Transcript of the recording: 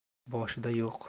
boshida yo'q